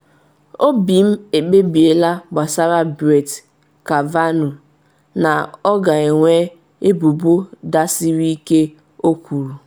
“Obi m ekpebiela gbasara Brett Kavanaugh, na ọ ga-ewe ebubo dasiri ike,” o kwuru.